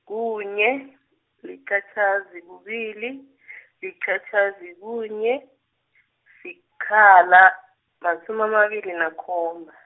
kunye, liqatjhazi, kubili, liqatjhazi, kunye, sikhala, masumi amabili nakhomba.